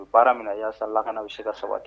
U baara min na y yaa sarala ka u bɛ se sabati